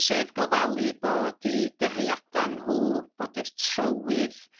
Sef gofalu bod 'u dyheada' adan nhw, bod yr trywydd